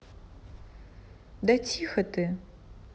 да тихо ты